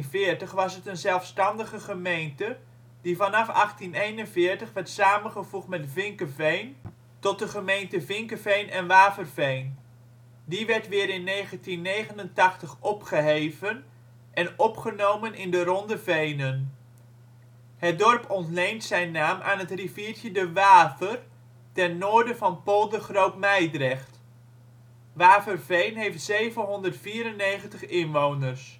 1840 was het een zelfstandige gemeente, die vanaf 1841 werd samengevoegd met Vinkeveen tot de gemeente Vinkeveen en Waverveen. Die werd weer in 1989 opgeheven en opgenomen in De Ronde Venen. Het dorp ontleent zijn naam van het riviertje de Waver, ten noorden van Polder Groot-Mijdrecht. Waverveen heeft 794 inwoners